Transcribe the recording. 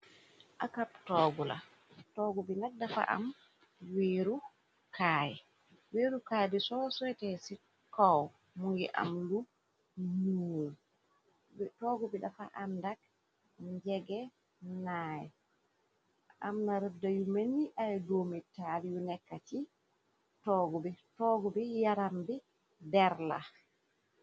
akab toogu la toog bi nek dafa am weeru kaay weeru kaay bi soo soyte ci kow mu ngi am lu nuul b toogu bi dafa àndak njege naay am na rëbda yu mënni ay doomitaal yu nekka ci toog bi yaram bi der la